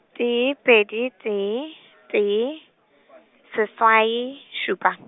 tee pedi tee, tee, seswai, šupa.